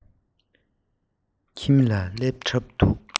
ཁྱིམ ལ སླེབས གྲབས འདུག